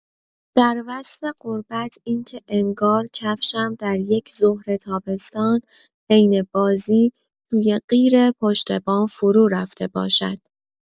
در وصف غربت اینکه انگار کفشم در یک ظهر تابستان، حین بازی، توی قیر پشت‌بام فرورفته باشد.